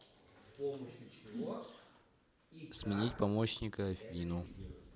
смени помощника на афину